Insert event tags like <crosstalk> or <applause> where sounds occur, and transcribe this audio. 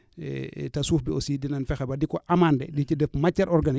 <hesitation> te suuf bi aussi dinañ fexe ba di ko amander di ci def matière organique